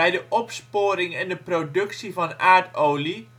de opsporing en de productie van aardolie